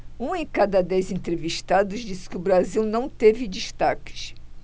um em cada dez entrevistados disse que o brasil não teve destaques